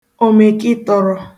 òmèkịtọ̄rọ